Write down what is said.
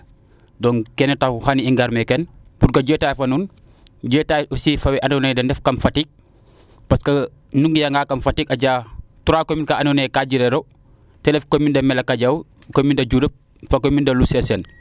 donc keene taxu xaye i ngar meeke pour que jetaay fa nuun jetaay fo we ando naye tam den dnef kam Fatick parce que nu nga'a nga kam Fatick a jega trois commune :gfra kaa ando naye kaa jilelo te ref commune de mbalakadiaw commune de Diouroup fo commune de Loul Sesene